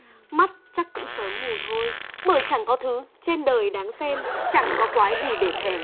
mắt chắc cũng sớm mù thôi bởi chẳng có thứ trên đời đáng xem chẳng có quái gì để thèm